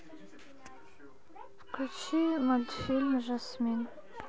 включи мультфильм жасмин